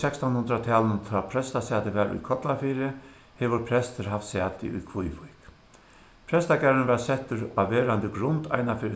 sekstanhundraðtalinum tá prestasæti var í kollafirði hevur prestur havt sæti í kvívík prestagarðurin varð settur á verandi grund einaferð í